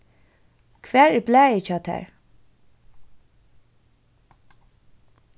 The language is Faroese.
hvar er blaðið hjá tær